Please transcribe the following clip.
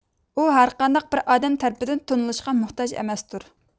ئۇ ھەرقانداق بىر ئادەم تەرىپىدىن تونۇلۇشقا موھتاج ئەمەستۇر